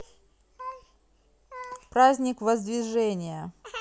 праздник воздвижения